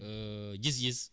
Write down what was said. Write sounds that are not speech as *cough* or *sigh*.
*hesitation* gis-gis